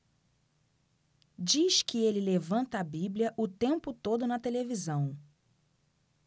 diz que ele levanta a bíblia o tempo todo na televisão